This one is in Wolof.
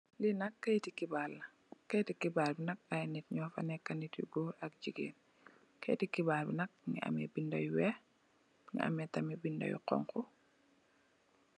Lee nak keyete kebarr la keyete kebarr be nak aye neet nufa neka neete yu goor ak jegain keyete kebarr be nak muge ameh beda yu weex muge ameh tamin beda yu xonxo.